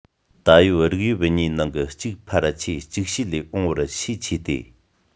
ད ཡོད རིགས དབྱིབས གཉིས ནང གི གཅིག ཕལ ཆེར ཅིག ཤོས ལས འོངས པར ཤས ཆེ སྟེ